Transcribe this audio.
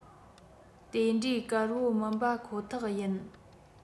དེ འདྲའི དཀར བོ མིན པ ཁོ ཐག ཡིན